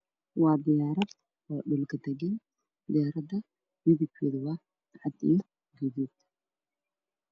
Waa diyaarad oo dhulka dajin diyaarada midabkeedu waa cadiin gaduud